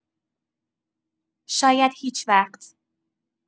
شاید هیچ‌وقت.